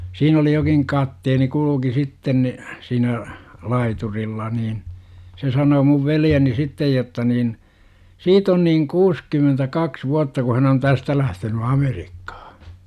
siinä oli jokin kapteeni kulki sitten niin siinä laiturilla niin se sanoi minun veljeni sitten jotta niin siitä on niin kuusikymmentäkaksi vuotta kun hän on tästä lähtenyt Amerikkaan